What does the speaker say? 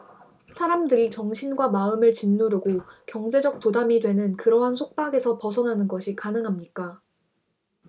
사람들이 정신과 마음을 짓누르고 경제적 부담이 되는 그러한 속박에서 벗어나는 것이 가능합니까